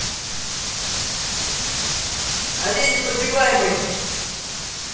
олень непробиваемый